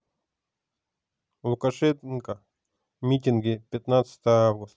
лукашенко митинги пятнадцатое августа